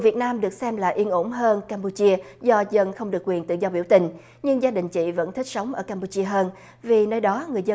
việt nam được xem là yên ổn hơn campuchia giờ chừng không được quyền tự do biểu tình nhưng gia đình chị vẫn thích sống ở cam pu chia hun vì nơi đó người dân